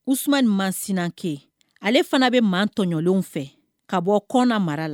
Usman Mansinkane ale fana bɛ maa tɔɲɔlenw fɛ ka bɔ kɔ.na mara la